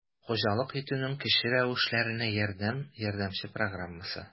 «хуҗалык итүнең кече рәвешләренә ярдәм» ярдәмче программасы